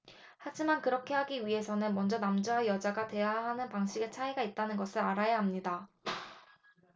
하지만 그렇게 하기 위해서는 먼저 남자와 여자가 대화하는 방식에 차이가 있다는 것을 알아야 합니다